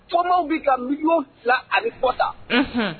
Tɔn maaw bɛ ka million 2 ani kɔ ta.